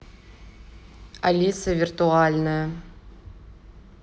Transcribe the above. алиса виртуальная